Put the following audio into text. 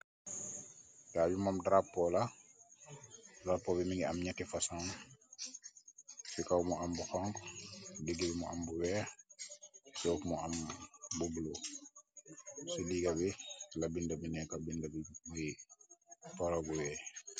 Gaal bi mom drapeau la, drapeau bi mungy am njehti fason, ci kaw mu am bu honhu, digi bi mu am bu wekh, suff mu am bu blue, ci diga bi la binda bi neka, binda bi backway.